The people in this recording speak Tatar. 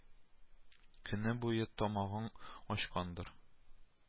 Көне буе тамагың ачкандыр